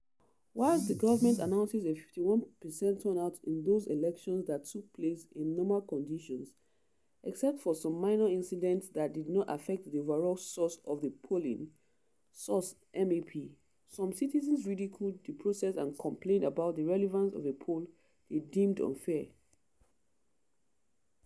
Whilst the government announces a “51% turnout in those elections that took place in normal conditions, except for some minor incidents that did not affect the overall course of the polling” (source: MAP), some citizens ridiculed the process and complained about the relevance of a poll they deemed unfair.